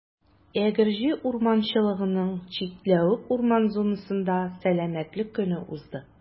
Әгерҗе урманчылыгының «Чикләвек» урман зонасында Сәламәтлек көне узды.